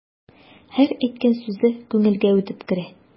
Һәр әйткән сүзе күңелгә үтеп керә.